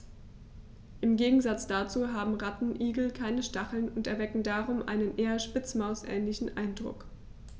Im Gegensatz dazu haben Rattenigel keine Stacheln und erwecken darum einen eher Spitzmaus-ähnlichen Eindruck.